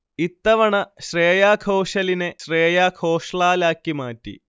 ഇത്തവണ ശ്രേയാ ഘോഷലിനെ ശ്രേയാ ഘോഷ്ലാലാക്കി മാറ്റി